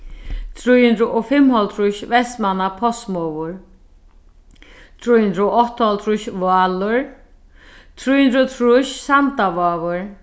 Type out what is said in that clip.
trý hundrað og fimmoghálvtrýss vestmanna postsmogur trý hundrað og áttaoghálvtrýss válur trý hundrað og trýss sandavágur